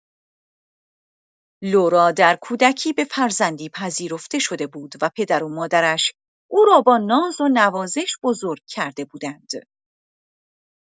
لورا در کودکی به فرزندی پذیرفته شده بود و پدرو مادرش او را با ناز و نوازش بزرگ کرده بودند.